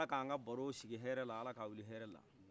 ala k'an ka baro sigi hɛrɛla ala k'a wili hɛrɛla